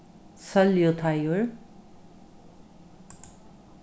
sóljuteigur